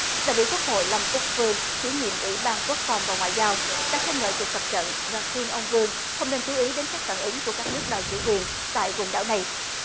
đại biểu quốc hội lâm úc phương chủ nhiệm ủy ban quốc phòng và ngoại giao đã khen ngợi cuộc tập trận và khuyên ông vương không nên chú ý đến các phản ứng của các nước đòi chủ quyền tại quần đảo này